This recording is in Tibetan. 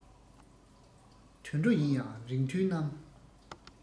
དུད འགྲོ ཡིན ཡང རིགས མཐུན རྣམས